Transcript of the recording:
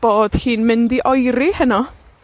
bod hi'n mynd i oeri heno.